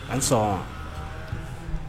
An sɔn